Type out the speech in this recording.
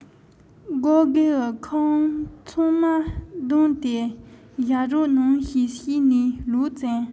སྒོ སྒེའུ ཁུང ཚང མ གདང སྟེ བཞག རོགས གནང ཞེས བཤད ནས ལོག ཕྱིན